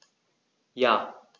Ja.